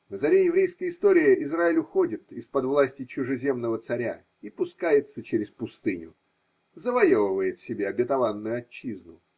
На заре еврейской истории Израиль уходит из-под власти чужеземного царя и пускается через пустыню – завоевывает себе обетованную отчизну.